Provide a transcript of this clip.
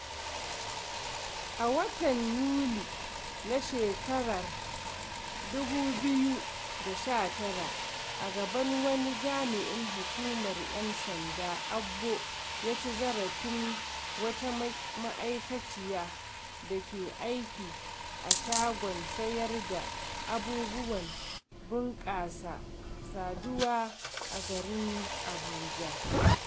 A watan Yuli na shekarar 2019 a gaban wani jami'in hukumar 'yan sanda, Abbo ya ci zarafin wata ma'aikaciya da ke aiki a shagon sayar da abubuwan bunƙasa saduwa a garin Abuja.